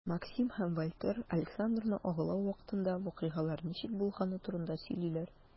Максим һәм Вальтер Александрны агулау вакытында вакыйгалар ничек булганы турында сөйлиләр.